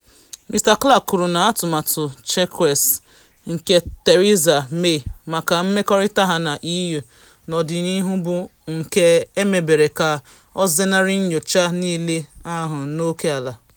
Mr Clark kwuru na atụmatụ Chequers nke Theresa May maka mmekọrịta ha na EU n’ọdịnihu bụ “nke emebere ka ọ zenarị nyocha niile ahụ n’oke ala.”